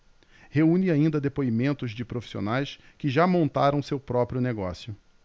reúne ainda depoimentos de profissionais que já montaram seu próprio negócio